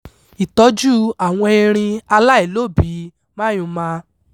Ìtọ́jú àwọn erin aláìlóbìíi Myanmar